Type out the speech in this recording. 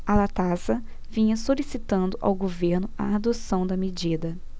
a latasa vinha solicitando ao governo a adoção da medida